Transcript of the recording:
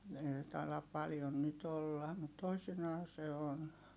ei se taida paljon nyt olla mutta toisinaan se on